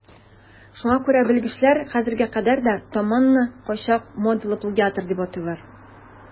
Шуңа күрә белгечләр хәзергә кадәр де Томонны кайчак модалы плагиатор дип атыйлар.